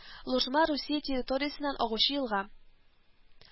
Лужма Русия территориясеннән агучы елга